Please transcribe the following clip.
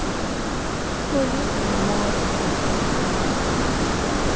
полет на марс